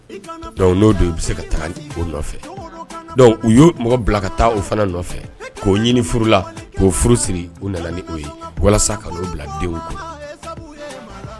N'o de bɛ se ka taa o nɔfɛ u y' mɔgɔ bila ka taa o fana nɔfɛ k'o ɲini furu k'o furu siri u nana ni ye walasa ka'o bila denw